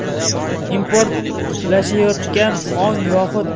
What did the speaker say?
importlashayotgan ong yoxud